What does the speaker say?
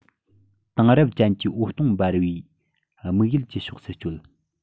དེང རབས ཅན གྱི འོད སྟོང འབར བའི དམིགས ཡུལ གྱི ཕྱོགས སུ བསྐྱོད